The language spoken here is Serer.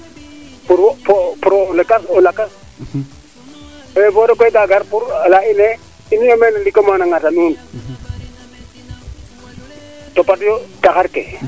pour wo kaa gar pour a leya ine inu yo meene ndiiki o moona ngata nuun topatu yo taxar ke